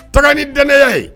Taga ni danaya ye.